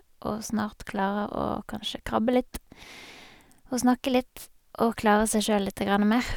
Og snart klarer å kanskje krabbe litt og snakke litt, og klarer seg sjøl lite grann mer.